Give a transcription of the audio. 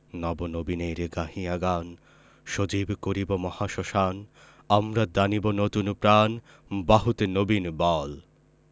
নব নবীনের গাহিয়া গান সজীব করিব মহাশ্মশান আমরা দানিব নতুন প্রাণ বাহুতে নবীন বল